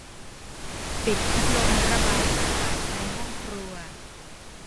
ปิดพัดลมระบายอากาศในห้องครัว